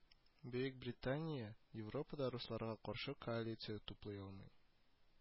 Бөекбритания Европада русларга каршы коалиция туплый алмый